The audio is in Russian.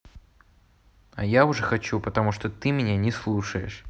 а я уже хочу потому что ты меня не слушаешь